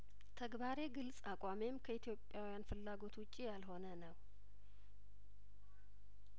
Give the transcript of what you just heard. ተግባሬ ግልጽ አቋሜም ከኢትዮጵያውያን ፍላጐት ውጪ ያልሆነ ነው